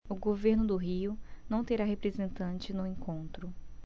o governo do rio não terá representante no encontro